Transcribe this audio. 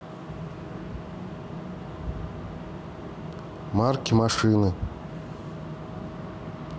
марки машины